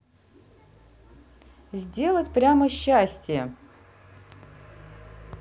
сделать прямо счастье